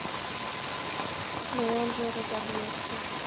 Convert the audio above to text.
ну он же разобьется